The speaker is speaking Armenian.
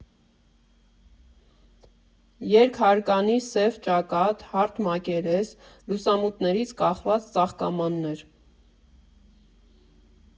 Երկհարկանի սև ճակատ, հարթ մակերես, լուսամուտներից կախված ծաղկամաններ։